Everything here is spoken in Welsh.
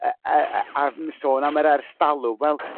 yrr yrr e- a m- son am yr ers dalwm wel